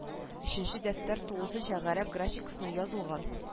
Өченче дәфтәр тулысынча гарәп графикасына язылган